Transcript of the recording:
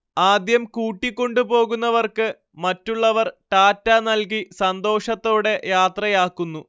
ആദ്യം കൂട്ടിക്കൊണ്ടുപോകുന്നവർക്ക് മറ്റുള്ളവർ ടാറ്റാ നൽകി സന്തോഷത്തോടെ യാത്രയാക്കുന്നു